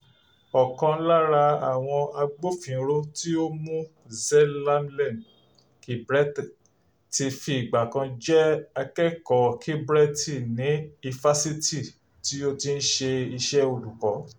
Ọ̀kan lára àwọn agbófinró tí ó mú Zelalem Kibret ti fi ìgbà kan rí jẹ́ akẹ́kọ̀ọ́ Kibret ní Ifásitì tí ó ti ń ṣe iṣẹ́ olùkọ́.